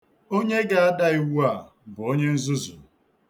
Onye ga-ada iwu a bụ onye nzuzu.